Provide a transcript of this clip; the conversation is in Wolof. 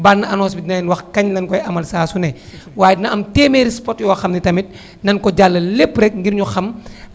bande annonce bi dinañ wax kañ lañ koy amal saa su ne waaye dina am téeméeri spots yoo xam ni tamit naén ko jàllale lépp rek ngir ñu xam